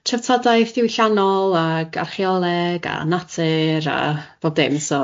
treftadaeth diwylliannol ag archeoleg a natur a bob dim so.